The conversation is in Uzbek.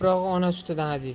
ona sutidan aziz